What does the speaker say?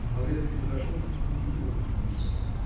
Лаврецкий подошел к нему и обнял его.